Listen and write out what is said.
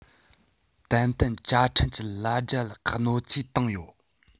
ཏན ཏན བཅའ ཁྲིམས ཀྱི ལ རྒྱ ལ གནོད འཚེ བཏང ཡོད